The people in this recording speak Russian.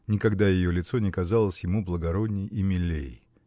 никогда ее лицо не казалось ему благородней и милей.